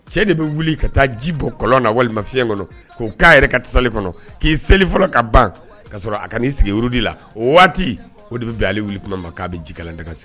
Cɛ de bɛ wuli ka taa ji bɔ kɔlɔn na walima fiɲɛyɛn kɔnɔ k'a yɛrɛ ka sa kɔnɔ k'i seli fɔlɔ ka ban ka sɔrɔ a kana'i sigiurudi la waati o de bɛ don ale wuli tuma ma k'a bɛ jika tɛ ka segin